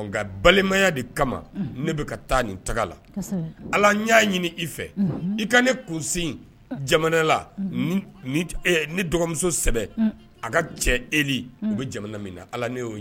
Balimaya taa ni taga la ala y'a ɲini i fɛ i ka ne kunsen jamanala ne dɔgɔmuso sɛ a ka cɛ e u bɛ jamana min na ala'